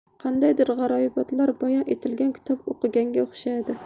qandaydir g'aroyibotlar bayon etilgan kitob o'qiganga o'xshaydi